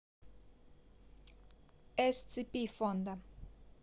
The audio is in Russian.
scp фонда